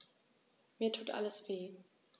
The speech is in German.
Mir tut alles weh.